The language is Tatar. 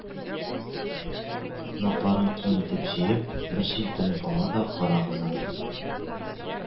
Натларын киң итеп җәеп, бер җилпенеп ала да «карагыз аны,